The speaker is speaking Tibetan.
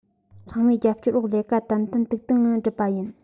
ཚང མའི རྒྱབ སྐྱོར འོག ལས ཀ ཏན ཏན ཏིག ཏིག ངང བསྒྲུབས པ ཡིན